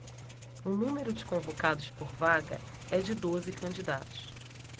o número de convocados por vaga é de doze candidatos